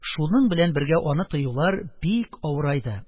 Шуның белән бергә аны тыюлар бик авырайды.